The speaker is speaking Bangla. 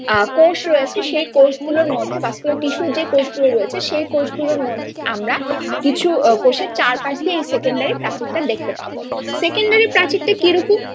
কোষ রয়েছে সে কোষ গুলোর মধ্যে ভাস্কুলার টিস্যু যে কোষগুলো রয়েছে সে কোষ গুলোর মধ্যে আমরা কিছু কোষের চারপাশে এই সেকেন্ডারি প্রাচীর টা দেখতে পাব সেকেন্ডারি প্রাচীর টা কি রকম